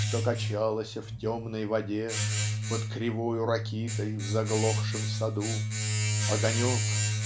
что качалася в темной воде Под кривою ракитой в заглохшем саду Огонек